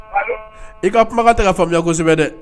I ka kuma ka tɛ ka faamuyaya kosɛbɛ dɛ